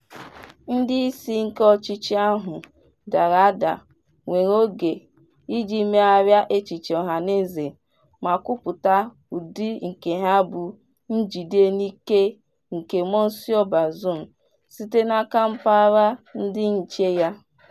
Ndị isi nke ọchịchị ahụ dara ada nwere oge iji megharịa echiche ọhanaeze ma kwupụta ụdị nke ha bụ njide n'ike nke Monsieur Bazoum site n'aka mpaghara ndị nche ya.